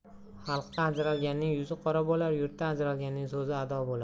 xalqdan ajralganning yuzi qora bo'lar yurtdan ajralganning so'zi ado bo'lar